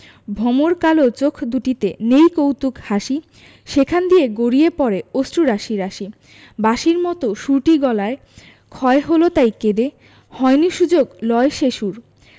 ভমর কালো চোখ দুটিতে নেই কৌতুক হাসি সেখান দিয়ে গড়িয়ে পড়ে অশ্রু রাশি রাশি বাঁশির মতো সুরটি গলায় ক্ষয় হল তাই কেঁদে হয়নি সুযোগ লয় সে সুর